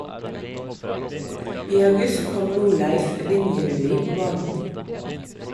I august kom Norleiv Vinjerui på banen.